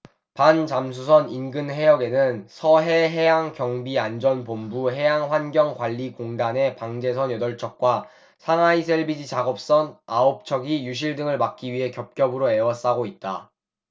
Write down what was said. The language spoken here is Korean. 반잠수선 인근해역에는 서해해양경비안전본부 해양환경관리공단의 방제선 여덟 척과 상하이 샐비지 작업선 아홉 척이 유실 등을 막기 위해 겹겹으로 에워싸고 있다